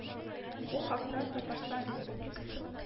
Бу хакта Татарстан Республикасы